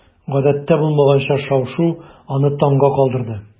Гадәттә булмаганча шау-шу аны таңга калдырды.